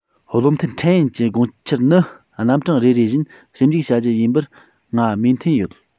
བློ མཐུན ཁྲེན ཡུན གྱི དགོངས འཆར ནི རྣམ གྲངས རེ རེ བཞིན ཞིབ འཇུག བྱ རྒྱུ ཡིན པར ང མོས མཐུན ཡོད